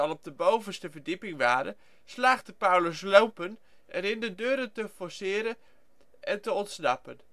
op de bovenste verdieping waren, slaagde Paulus Louppen erin de deuren te forceren en te ontsnappen